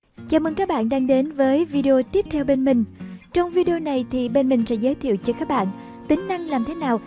chào mừng các bạn đang đến với video tiếp theo bên mình trong video này thì bên mình sẽ giới thiệu cho các bạn tính năng làm thế nào